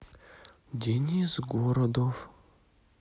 денис городов